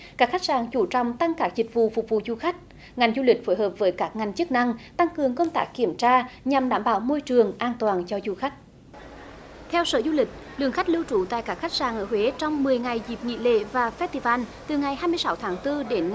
các khách sạn chú trọng tăng các dịch vụ phục vụ du khách ngành du lịch phối hợp với các ngành chức năng tăng cường công tác kiểm tra nhằm đảm bảo môi trường an toàn cho du khách theo sở du lịch lượng khách lưu trú tại các khách sạn ở huế trong mười ngày dịp nghỉ lễ và phét ti van từ ngày hai mươi sáu tháng tư đến ngày